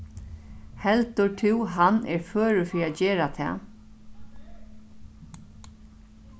heldur tú hann er førur fyri at gera tað